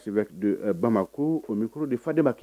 Bama ko o de fa de ma kɛ